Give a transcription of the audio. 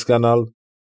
Հասկանալ։